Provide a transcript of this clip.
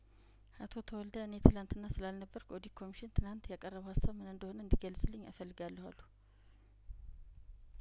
አቶ ተወልደ እኔ ትናንት ስላል ነበርኩ ኦዲት ኮሚሽን ትናንት ያቀረበው ሀሳብምን እንደሆነ እንዲገለጽልኝ እፈልጋለሁ አሉ